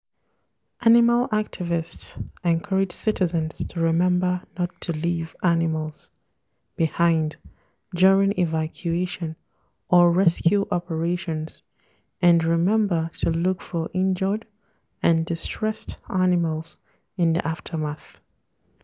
Animal activists encourage citizens to remember not to leave animals behind during evacuation or rescue operations and remember to look for injured and distressed animals in the aftermath.